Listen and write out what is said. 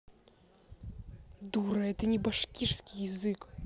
дура это не башкирский язык